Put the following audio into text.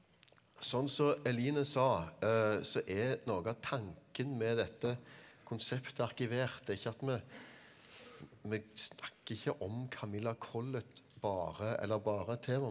sånn så Eline sa så er noe av tanken med dette konseptet Arkivert det er ikke at vi vi snakker ikke om Camilla Collett bare eller bare et tema.